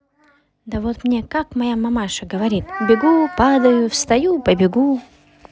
да вот мне как моя мамаша говорит бегу падаю встаю побегу